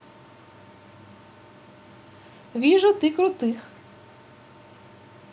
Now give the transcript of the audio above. вижу ты крутых